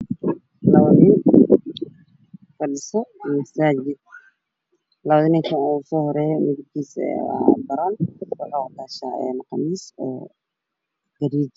Labo nin balso masaajid labada nin midka soo horeeyo midabkiisa waa baroon waxuu wataa qamiis oo gaduud ah